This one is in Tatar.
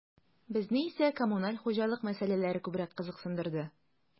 Безне исә коммуналь хуҗалык мәсьәләләре күбрәк кызыксындырды.